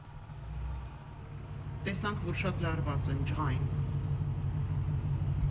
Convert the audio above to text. Տեսանք, որ շատ լարված են, ջղայն։